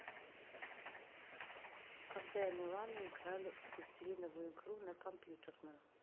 когда я милана играли в пластилиновую игру на компьютерную